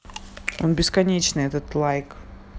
он бесконечный этот лайк